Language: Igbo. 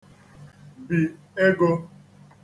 bi ego